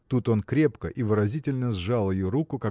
Тут он крепко и выразительно сжал ее руку